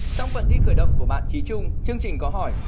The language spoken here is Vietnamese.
trong phần thi khởi động của bạn chí trung chương trình có hỏi